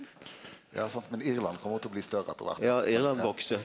ja sant men Irland kjem til å bli større etter kvart.